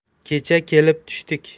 kecha kelib tushdik